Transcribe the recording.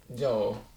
joo